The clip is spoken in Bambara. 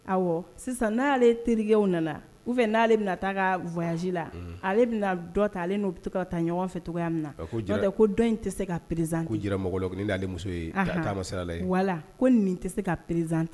Ɔwɔ sisan n'ale teriw nana u fɛ n'ale bɛna taa ka vya la ale bɛna dɔ ta ale n'o bɛ se ka taa ɲɔgɔn fɛ tɔgɔya min na jɔn tɛ ko dɔn in tɛ se ka prizan komɔgɔ kɔni dalen taamala wala ko nin tɛ se ka prizan